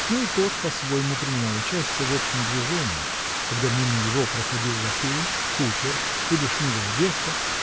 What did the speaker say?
но и тот по-своему принимал участие в общем движении. Когда мимо его проходил лакей кучер или шмыгала девка